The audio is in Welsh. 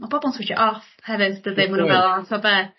ma' bobol yn switsio off hefyd dydyn m'e n'w meddwl o ta beth